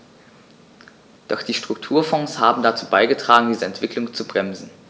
Doch die Strukturfonds haben dazu beigetragen, diese Entwicklung zu bremsen.